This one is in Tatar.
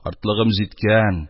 Картлыгым җиткән,